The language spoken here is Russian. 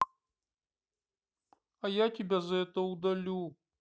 а я тебя за это удалю